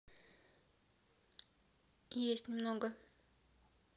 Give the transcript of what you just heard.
есть немного